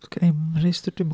Sgen a i'm rhestr dwi'm yn...